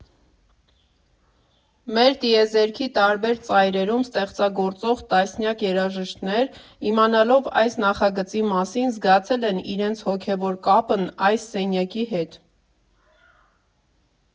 Մեր տիեզերքի տարբեր ծայրերում ստեղծագործող տասնյակ երաժիշտներ, իմանալով այս նախագծի մասին, զգացել են իրենց հոգևոր կապն այս սենյակի հետ։